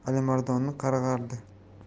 qo'yib alimardonni qarg'ardi